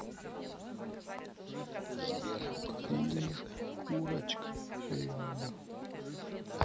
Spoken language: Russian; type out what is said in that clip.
фильм курочка ряба